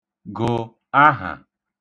gụ̀ ahà